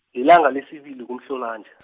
lilanga lesibili kuMhlolanja.